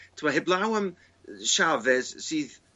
t'wbo' heb law am Chaves sydd...